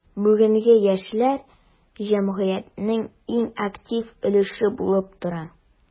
Бүгенге яшьләр – җәмгыятьнең иң актив өлеше булып тора.